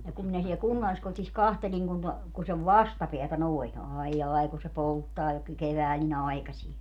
ja kun minä siellä kunnalliskodissa katselin kun - kun sen vastapäätä noin aijai kun se polttaa jo - keväällä niin aikaiseen